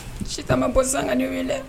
Sita bɔsisan ka nin weele dɛ